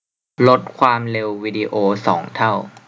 ลดความเร็ววีดีโอสองเท่า